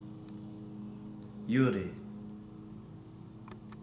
ཡོད རེད